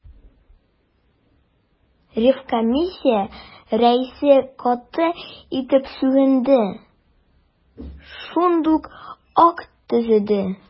Ревкомиссия рәисе каты итеп сүгенде, шундук акт төзеде.